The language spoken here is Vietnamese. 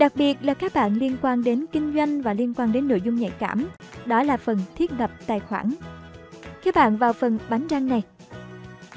đặc biệt là các bạn liên quan đến kinh doanh và liên quan đến nội dung nhạy cảm đó là phần thiết lập tài khoản các bạn vào phần bánh răng này